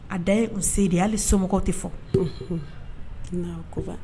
A da se hali somɔgɔw tɛ fɔ koba